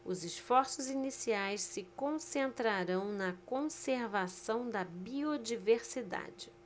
os esforços iniciais se concentrarão na conservação da biodiversidade